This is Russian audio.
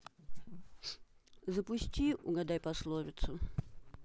запусти угадай пословицу